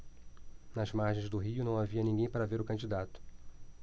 nas margens do rio não havia ninguém para ver o candidato